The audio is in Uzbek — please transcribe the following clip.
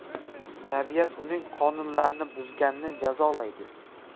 tabiat uning qonunlarini buzganni jazolaydi